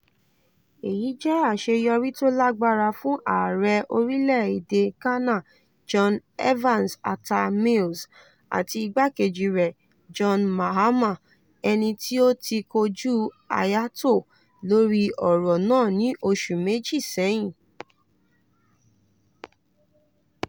Èyí jẹ́ àṣeyọrí tó lágbára fún ààrẹ orílẹ̀ èdè Ghana John Evans Atta Mills àti igbá-kejì rẹ̀ John Mahama ẹni tí ó ti kojú Hayatou lórí ọ̀rọ̀ náà ní oṣù méjì sẹ́yìn.